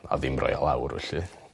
a ddim roi o lawr felly.